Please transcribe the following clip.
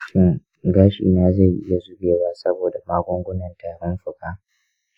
shin gashina zai iya zubewa saboda magungunan tarin fuka?